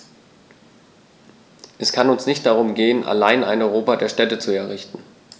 Es kann uns nicht darum gehen, allein ein Europa der Städte zu errichten.